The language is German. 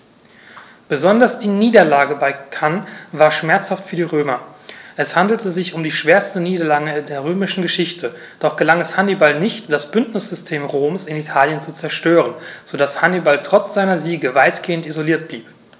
Besonders die Niederlage bei Cannae war schmerzhaft für die Römer: Es handelte sich um die schwerste Niederlage in der römischen Geschichte, doch gelang es Hannibal nicht, das Bündnissystem Roms in Italien zu zerstören, sodass Hannibal trotz seiner Siege weitgehend isoliert blieb.